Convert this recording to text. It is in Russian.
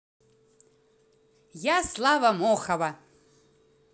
я слава мохова